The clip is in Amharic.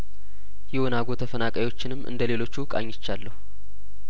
የወናጐ ተፈናቃዮችንም እንደሌሎቹ ቃኝቻለሁ